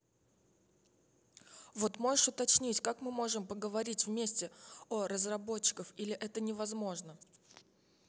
вот можешь уточнить как мы можем поговорить вместе о разработчиков или этого невозможно